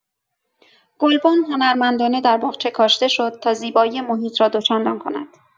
گلبن هنرمندانه در باغچه کاشته شد تا زیبایی محیط را دوچندان کند.